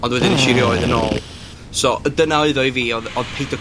ond wedyn esh i 'rioed yn ôl. So, yy dyna oedd o i fi. Odd odd peido